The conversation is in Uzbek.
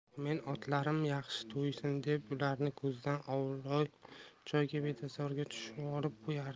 biroq men otlarim yaxshi to'ysin deb ularni ko'zdan ovloq joydagi bedazorga tushovlab qo'yardim